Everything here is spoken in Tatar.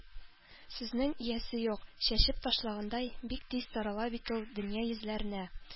Сүзнең иясе юк, чәчеп ташлагандай, бик тиз тарала бит ул дөнья йөзләренә.